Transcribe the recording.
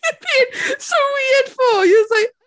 You being so weird for? You was like...